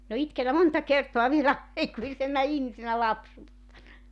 minä olen itkenyt monta kertaa vielä aikuisena ihmisenä lapsuuttani